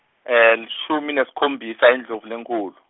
lishumi nesikhombisa Indlovulenkhulu.